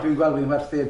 Dwi'n gweld fi'n werthin.